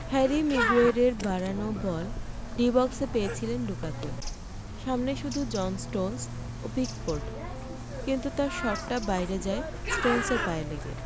Harry মিগুয়েরের বাড়ানো ball D বক্সে পেয়েছিলেন লুকাকু সামনে শুধু জন স্টোনস ও পিকফোর্ড কিন্তু তাঁর শটটা বাইরে যায় স্টোনসের পায়ে লেগে